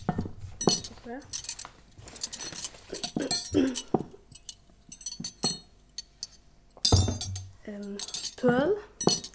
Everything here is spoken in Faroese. tøl